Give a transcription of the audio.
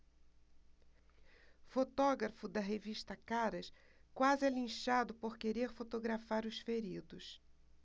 fotógrafo da revista caras quase é linchado por querer fotografar os feridos